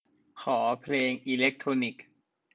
ขอเพลงอิเลกโทรนิค